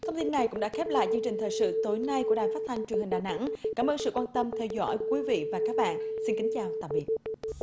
thông tin này cũng đã khép lại chương trình thời sự tối nay của đài phát thanh truyền hình đà nẵng cảm ơn sự quan tâm theo dõi quý vị và các bạn xin kính chào tạm biệt